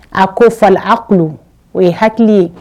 A ko o ye hakili ye